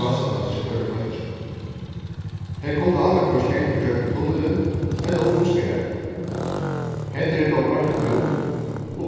gásadals hjá øðrum fólki tey kundu annaðhvørt ganga ígjøgnum tunnilin ella upp um skarð hetta er tó broytt nú